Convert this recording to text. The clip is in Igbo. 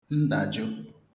ǹdàjụ̀